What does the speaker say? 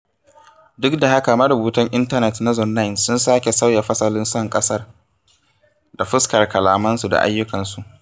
Duk da haka, marubutan intanet na Zone9 sun sake sauya fasalin son ƙasa ta fuskar kalamansu da ayyukansu.